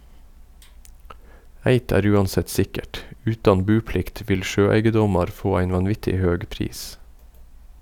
Eitt er uansett sikkert, utan buplikt vil sjøeigedomar få ein vanvittig høg pris.